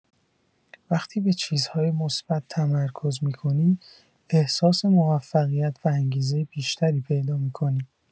وقتی به چیزهای مثبت تمرکز می‌کنی، احساس موفقیت و انگیزه بیشتری پیدا می‌کنی.